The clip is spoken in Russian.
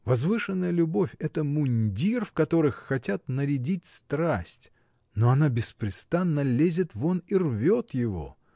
Возвышенная любовь — это мундир, в который хотят нарядить страсть, но она беспрестанно лезет вон и рвет его.